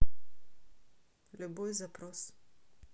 любой запрос